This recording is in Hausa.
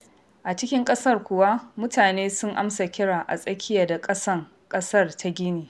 A cikin ƙasar kuwa, mutane sun amsa kira a tsakiya da ƙasan ƙasar ta Guinea.